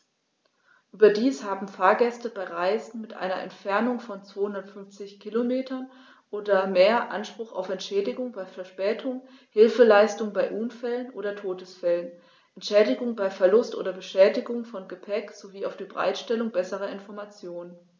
Überdies haben Fahrgäste bei Reisen mit einer Entfernung von 250 km oder mehr Anspruch auf Entschädigung bei Verspätungen, Hilfeleistung bei Unfällen oder Todesfällen, Entschädigung bei Verlust oder Beschädigung von Gepäck, sowie auf die Bereitstellung besserer Informationen.